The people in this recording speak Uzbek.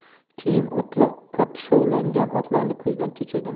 keyin o'tloqqa tushovlangan otlarni ko'zdan kechirdim